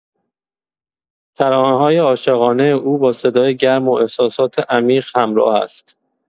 ترانه‌های عاشقانه او با صدای گرم و احساسات عمیق همراه است.